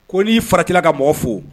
Ko n'i fara tilala ka mɔgɔ fo